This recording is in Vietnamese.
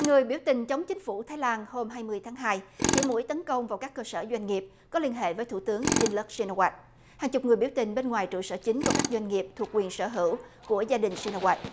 người biểu tình chống chính phủ thái lan hôm hai mươi tháng hai chĩa mũi tấn công vào các cơ sở doanh nghiệp có liên hệ với thủ tướng dinh lắc xin la goai hàng chục người biểu tình bên ngoài trụ sở chính của các doanh nghiệp thuộc quyền sở hữu của gia đình sin la goai